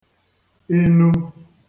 inu